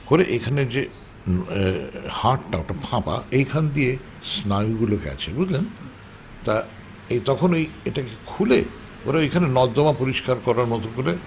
করে এখানে যে হারটা ওটা ফাঁপা এখান দিয়ে স্নায়ুগুলো গেছে বুঝলেন তা তখন এই এটাকে খুলে ওরা এখানে নর্দমা পরিষ্কার করার মত করে